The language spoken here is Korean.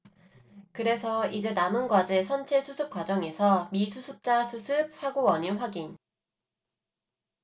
그래서 이제 남은 과제 선체 수습 과정에서 미수습자 수습 사고원인 확인